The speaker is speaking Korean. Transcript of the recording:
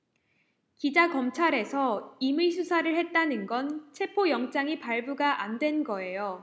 기자 검찰에서 임의수사를 했다는 건 체포영장이 발부가 안 된 거예요